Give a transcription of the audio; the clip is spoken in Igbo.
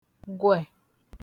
gwẹ̀